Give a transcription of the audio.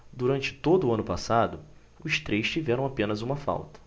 durante todo o ano passado os três tiveram apenas uma falta